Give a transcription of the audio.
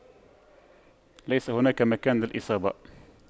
ليس هناك مكان للإصابة